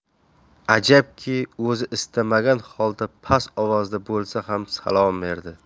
ajabki o'zi istamagan holda past ovozda bo'lsa ham salom berdi